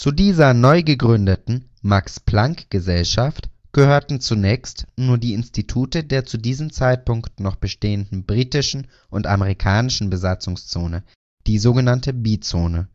dieser neu gegründeten Max-Planck-Gesellschaft gehörten zunächst nur die Institute der zu diesem Zeitpunkt noch bestehenden britischen und amerikanischen Besatzungszone, der sogenannten Bizone